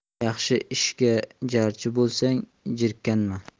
yaxshi ishga jarchi bo'lsang jirkanma